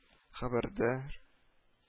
Хәбәрдар